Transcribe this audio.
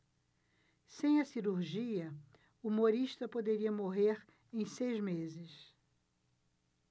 sem a cirurgia humorista poderia morrer em seis meses